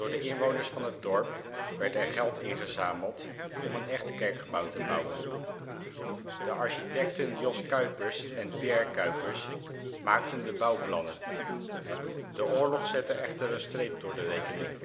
de inwoners van het dorp werd er geld ingezameld om een echt kerkgebouw de bouwen. De architecten Jos Cuypers en Pierre Cuypers maakten de bouwplannen. De oorlog zette echter een streep door de rekening